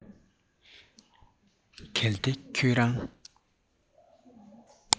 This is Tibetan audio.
གལ ཏེ ཁྱོད རང